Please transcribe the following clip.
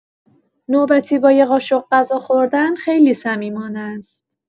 نوبتی با یه قاشق غذا خوردن خیلی صمیمانه‌ست.